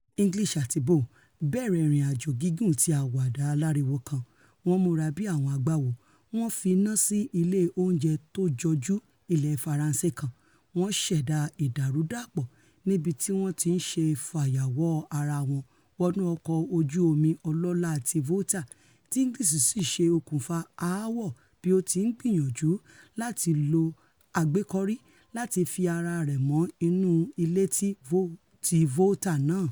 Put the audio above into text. English ati Bough bẹ̀rẹ̀ ìrìn-àjò gígùn ti àwàdà aláriwo kan: wọ́n múra bíi àwọn agbáwo, wọn fi iná sí ilé oúnjẹ tójọjú ilẹ̀ Faranse kan; wọ́n ṣẹ̀dá ìdàrúdàpọ̀ nìbití wọ́n ti ṣe fàyàwọ́ ara wọn wọnú ọkọ̀ oju-omi ọlọ́lá ti Volta; ti English sì ṣe okùnfà aáwọ̀ bí ó ti ńgbìyànjú láti lo agbékọ́rí láti fi ara rẹ̀ mọ inu ilé ti Volta náà.